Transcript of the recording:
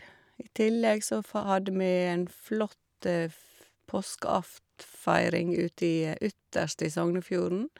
I tillegg så fa hadde vi en flott f påskeaftenfeiring uti ytterst i Sognefjorden.